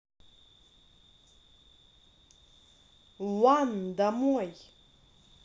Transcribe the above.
one домой